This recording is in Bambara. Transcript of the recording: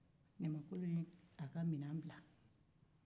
ɲamankolo y'a ka minen bila